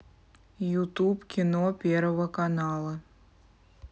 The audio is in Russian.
ютуб кино первого канала